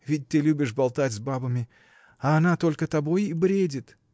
Ведь ты любишь болтать с бабами! А она только тобой и бредит.